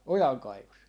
ojankaivossa